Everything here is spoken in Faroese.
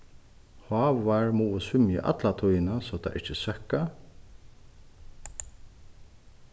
hávar mugu svimja alla tíðina so teir ikki søkka